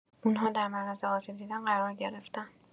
اون‌ها در معرض آسیب دیدن قرار گرفتن